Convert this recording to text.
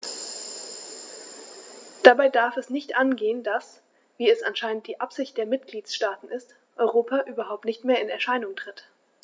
Dabei darf es nicht angehen, dass - wie es anscheinend die Absicht der Mitgliedsstaaten ist - Europa überhaupt nicht mehr in Erscheinung tritt.